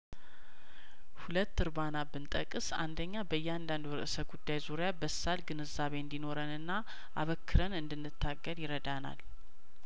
ሁለት እርባና ብን ጠቅስ አንደኛ በያንዳንዱ ርእሰ ጉዳይዙሪ ያበሳል ግንዛቤ እንዲኖረንና አበክረን እንድንታገል ይረዳናል